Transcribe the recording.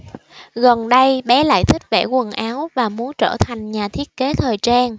gần đây bé lại thích vẽ quần áo và muốn trở thành nhà thiết kế thời trang